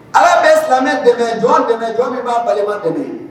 Ala bɛ silamɛ dɛmɛ jɔn dɛmɛ jɔn min b'a balima dɛmɛ